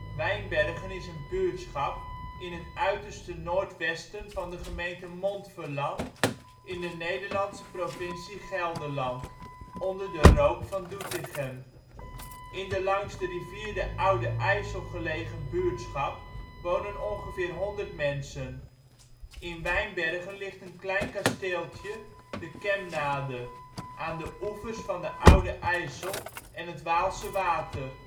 Wijnbergen is een buurtschap in het uiterste noordwesten van de gemeente Montferland in de Nederlandse provincie Gelderland, onder de rook van Doetinchem. In de langs de rivier de Oude IJssel gelegen buurtschap wonen ongeveer 100 mensen. In Wijnbergen ligt een klein kasteeltje, de Kemnade, aan de oevers van de Oude IJssel en het Waalse Water